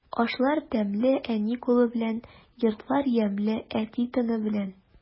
Ашлар тәмле әни кулы белән, йортлар ямьле әти тыны белән.